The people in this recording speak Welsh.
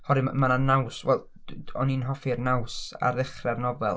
oherwydd ma' na naws wel o'n i'n hoffi'r naws ar ddechrau'r nofel.